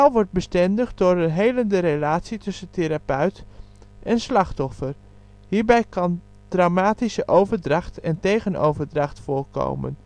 wordt bestendigd door een helende relatie tussen therapeut en slachtoffer. Hierbij kan traumatische overdracht en tegenoverdracht voorkomen